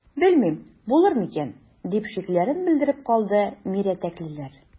Белмим, булыр микән,– дип шикләрен белдереп калды мирәтәклеләр.